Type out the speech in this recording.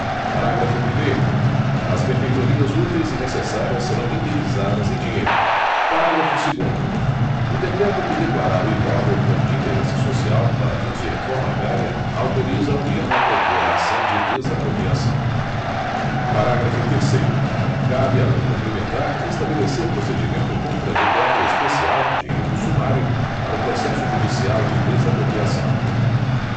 parágrafo primeiro as benfeitorias úteis e necessárias serão indenizadas em dinheiro parágrafo segundo o decreto que declarar o imóvel como de interesse social para fins de reforma agrária autoriza a união a propor a ação de desapropriação parágrafo terceiro cabe à lei complementar estabelecer procedimento contraditório especial de rito sumário para o processo judicial de desapropriação